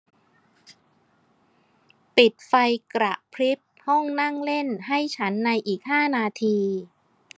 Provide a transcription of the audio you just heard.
ปิดไฟกระพริบห้องนั่งเล่นให้ฉันในอีกห้านาที